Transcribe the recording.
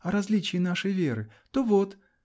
-- о различии нашей веры, то вот!.